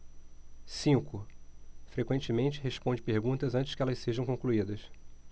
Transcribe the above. cinco frequentemente responde perguntas antes que elas sejam concluídas